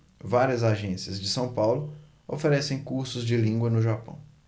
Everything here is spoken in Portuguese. várias agências de são paulo oferecem cursos de língua no japão